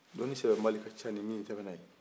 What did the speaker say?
dɔni sɛbɛn bali ka ca ni mi sɛbɛnna ye